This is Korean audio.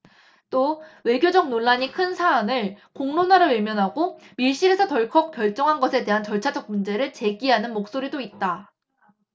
또 외교적 논란이 큰 사안을 공론화를 외면하고 밀실에서 덜컥 결정한 것에 대한 절차적 문제를 제기하는 목소리도 있다